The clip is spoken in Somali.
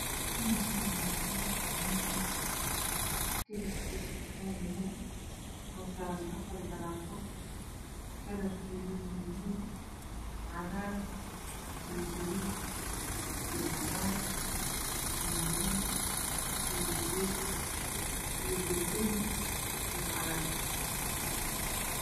Mashan waxaa yalo mis kalar kisi waa cadan waxaa saran afar garafo kalar kode waa cagar iyo baluug iyo cadan iyo gadud madow iyo baseli